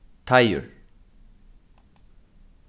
teigur